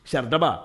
Saridaba